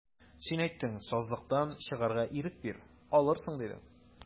Син әйттең, сазлыктан чыгарга ирек бир, алырсың, дидең.